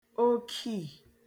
okiì